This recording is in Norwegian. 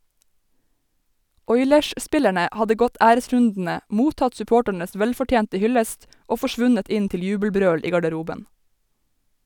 Oilers-spillerne hadde gått æresrundene, mottatt supporternes velfortjente hyllest og forsvunnet inn til jubelbrøl i garderoben.